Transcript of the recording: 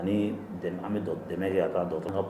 Ani an bɛ dɛmɛ ye ka k'a dɔn